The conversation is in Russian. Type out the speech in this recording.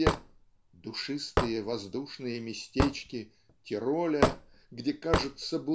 где "душистые воздушные местечки" Тироля где "кажется